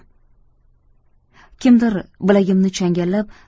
kimdir bilagimni changallab